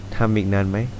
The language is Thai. ทำอีกนานไหม